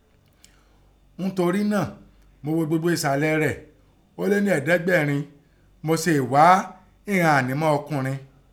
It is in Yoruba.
Torí náà, mọ gho gbogbo ẹsàlẹ̀ rẹ̀, ọ́ lé nẹ èédégbèrin, mọ sèè ghá ìnọn ànímọ́ ọ ọkùnrin.